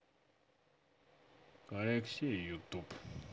алексей ютуб